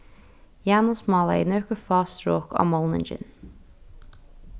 janus málaði nøkur fá strok á málningin